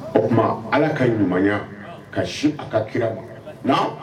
O tuma allah ka ɲumanya ka si a ka kira.